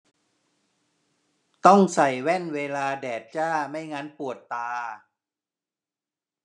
ต้องใส่แว่นเวลาแดดจ้าไม่งั้นปวดตา